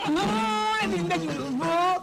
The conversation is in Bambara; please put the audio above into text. Anhaaaan e min te juru fɔɔ